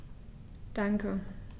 Danke.